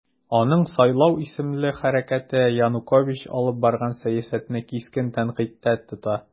Аның "Сайлау" исемле хәрәкәте Янукович алып барган сәясәтне кискен тәнкыйтькә тота.